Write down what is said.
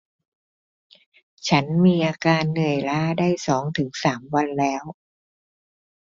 ฉันมีอาการเหนื่อยล้าได้สองถึงสามวันแล้ว